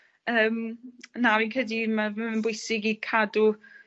yym na fi'n credu ma' ma' fe'n bwysig i cadw